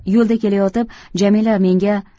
yo'lda kelayotib jamila menga